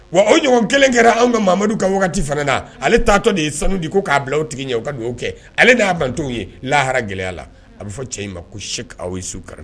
Wa o ɲɔgɔn kelen kɛra anw kamadu ka waati wagati fana na ale taatɔ de ye sanudi ko k'a bila tigi ɲɛ ka dugawu kɛ ale'a bantow ye lahara gɛlɛyaya la a bɛ fɔ cɛ in ma ko se' su kari